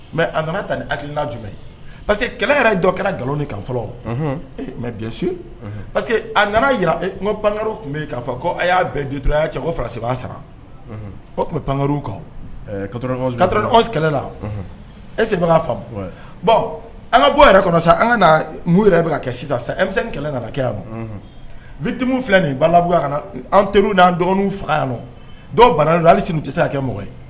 Mɛ a nana ta ni alikiina jumɛn ye pa que kɛlɛ yɛrɛ dɔ kɛra nkalon kan fɔlɔ mɛ bi pa a nana jira pankarw tun bɛ'a fɔ ko a y'a bɛɛ dutura y'a cɛ kosɛ sara tun bɛ pankarw kan kɛlɛla e'a faamu bɔn an ka bɔ yɛrɛ kɔnɔ sisan an ka yɛrɛ bɛ ka kɛ sa e bɛ kɛlɛ kana kɛya ma vtumu filɛ nin'a laya an teri'an dɔgɔnin faga yan dɔw bana hali tɛ se' kɛ mɔgɔ ye